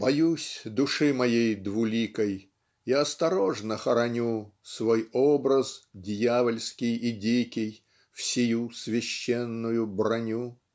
Боюсь души моей двуликой И осторожно хороню Свой образ дьявольский и дикий В сию священную броню.